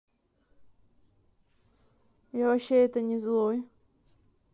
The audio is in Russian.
я вообще это не злой